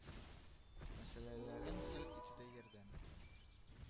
Мәсьәләләрен хәл итүдә ярдәм